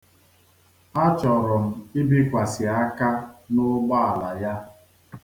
Achọrọ m ibikwasi aka n'ụgbọala ya.